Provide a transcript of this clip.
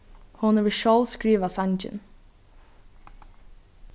hon hevur sjálv skrivað sangin